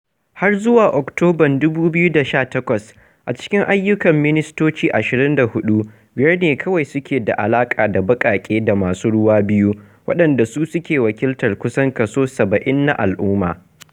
Har zuwa Oktoban 2018, a cikin ayyukan ministoci 24, biyar ne kawai suke da alaƙa da baƙaƙe da masu ruwa biyu, waɗanda su suke wakiltar kusan kaso 70 na al'umma.